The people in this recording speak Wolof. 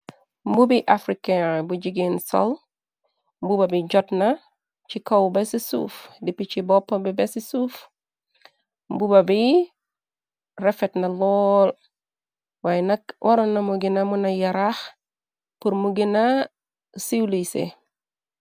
Mbubi afrikan bu jigéen sol mbuba bi jotna ci kaw besi suuf. Dipi ci bop bi besi suuf mbuba bi refetna lool waay nak wara namu gina mëna yaraax pur mu gina silwisè.